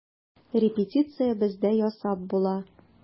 Репетиция бездә ясап була.